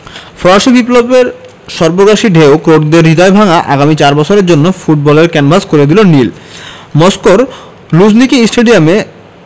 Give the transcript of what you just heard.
ফরাসি বিপ্লবের সর্বগ্রাসী ঢেউ ক্রোটদের হৃদয় ভাঙা আগামী চার বছরের জন্য ফুটবলের ক্যানভাসটা করে দিল নীল মস্কোর লুঝনিকি স্টেডিয়ামে